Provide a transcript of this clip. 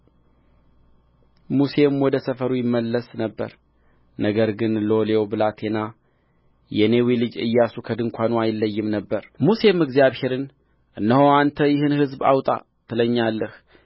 ሙሴም ወደ ሰፈሩ ይመለስ ነበር ነገር ግን ሎሌው ብላቴና የነዌ ልጅ ኢያሱ ከድንኳኑ አይለይም ነበር ሙሴም እግዚአብሔርን እነሆ አንተ ይህን ሕዝብ አውጣ ትለኛለህ